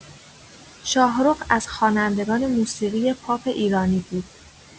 شاهرخ از خوانندگان موسیقی پاپ ایرانی بود.